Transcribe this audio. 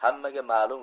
hammaga ma'lum